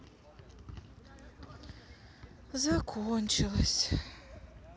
закончилось